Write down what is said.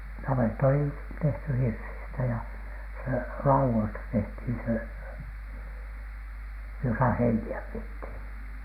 navetta oli tehty hirsistä ja se laudoista tehtiin se jossa heiniä pidettiin